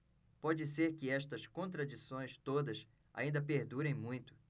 pode ser que estas contradições todas ainda perdurem muito